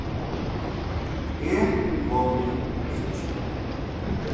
eg komi ikki